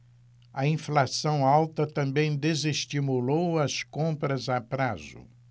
a inflação alta também desestimulou as compras a prazo